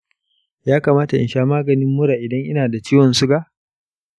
yakamata in sha maganin mura idan ina da ciwon siga?